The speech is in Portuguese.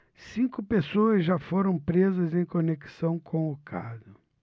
cinco pessoas já foram presas em conexão com o caso